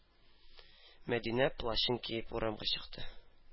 Мәдинә плащын киеп урамга чыкты.